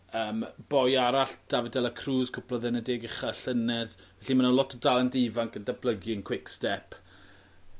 yym boi arall David de la Cruz cwplodd e yn y deg ucha y llynedd felly mae 'na lot o dalent ifanc yn datblygu yn Quick Step